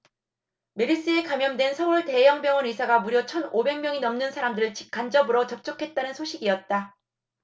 메르스에 감염된 서울 대형 병원 의사가 무려 천 오백 명이 넘는 사람들을 직 간접으로 접촉했다는 소식이었다